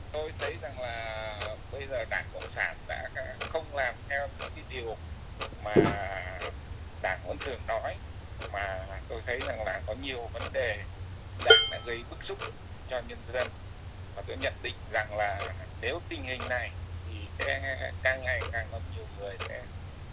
tôi thấy rằng là bây giờ đảng cộng sản đã không làm theo những điều mà đảng vẫn thường nói mà tôi thấy rằng là có nhiều vấn đề đảng đã gây bức xúc cho nhân dân mà tôi nhận định rằng là nếu tình hình này thì sẽ càng ngày càng có nhiều người sẽ